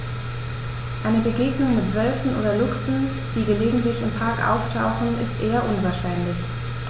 Eine Begegnung mit Wölfen oder Luchsen, die gelegentlich im Park auftauchen, ist eher unwahrscheinlich.